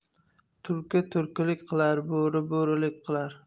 tulki tulkilik qilar bo'ri bo'rilik qilar